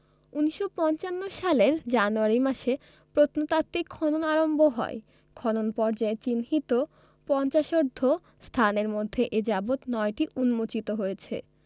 ১৯৫৫ সালের জানুয়ারি মাসে প্রত্নতাত্ত্বিক খনন আরম্ভ হয় খনন পর্যায়ে চিহ্নিত পঞ্চাশোর্ধ্ব স্থানের মধ্যে এ যাবৎ নয়টি উন্মোচিত হয়েছে